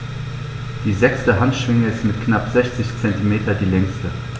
Die sechste Handschwinge ist mit knapp 60 cm die längste.